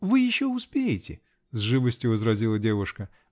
-- Вы еще успеете, -- с живостью возразила девушка.